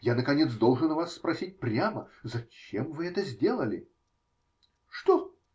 Я наконец должен у вас спросить прямо: зачем вы это сделали? -- Что?